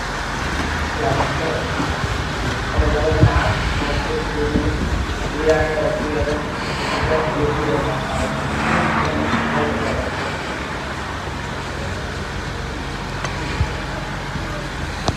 laami ay marayaan mooto bajaaj wxaa geeska laamiga ka saaran guri sar ah